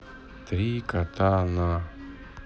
три кота на